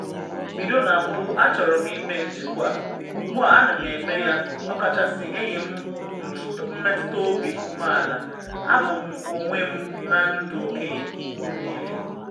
Bido na mbụ achọrọ m ịme njikwa, ugbu a ana m eme ya, ọ kachasị enye m mmetụta obi ume ala, abụ m onwe m na ndụ okenye m niile.”